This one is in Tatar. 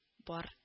Бар